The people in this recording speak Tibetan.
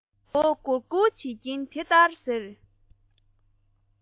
མགོ སྒུར སྒུར བྱེད ཀྱིན དེ ལྟར ཟེར